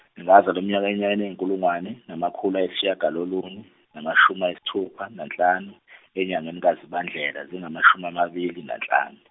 ngazalwa eminyakeni eminyakeni eyinkulungwane namakhulu ayishagalolunye namashumi ayisithupha nanhlanu enyangeni kaZibandlela zingamashumi amabili nanhlanu.